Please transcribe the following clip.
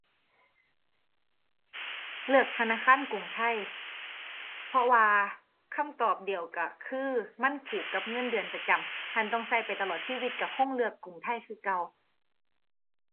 เลือกธนาคารกรุงไทย เพราะว่าคำตอบเดียวก็คือ มันผูกกับเงินเดือนประจำ หั้นต้องก็ไปตลอดชีวิตก็คงเลือกกรุงไทยคือเก่า